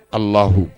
Alahu